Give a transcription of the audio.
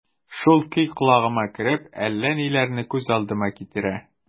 Шул көй колагыма кереп, әллә ниләрне күз алдыма китерә...